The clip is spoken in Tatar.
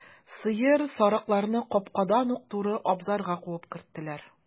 Сыер, сарыкларны капкадан ук туры абзарга куып керттеләр.